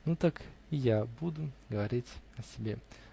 Ну так и я буду говорить о себе.